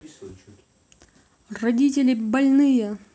родители больные